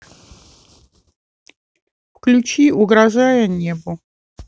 включи угрожая небу